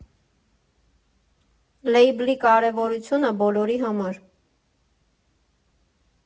Լեյբլի կարևորությունը բոլորի համար։